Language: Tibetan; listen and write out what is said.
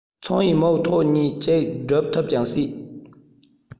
ཚོང ཡིས མོའི ཐོག གཉིས གཅིག བསྒྲུབ ཐུབ ཀྱང སྲིད